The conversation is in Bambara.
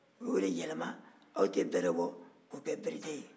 u y'o de yɛlɛma aw tɛ bɛrɛ bɔ k'o kɛ berete ye